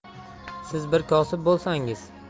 siz bir kosib bo'lsangiz